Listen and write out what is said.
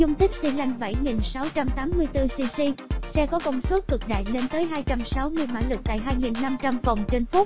dung tích xy lanh cc xe có công suất cực đại lên tới ps tại vòng phút